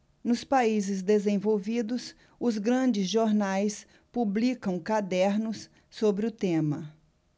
nos países desenvolvidos os grandes jornais publicam cadernos sobre o tema